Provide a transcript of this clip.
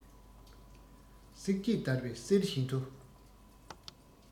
སྲེག བཅད བརྡར བའི གསེར བཞིན དུ